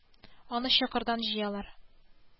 Матур вакытлар иде.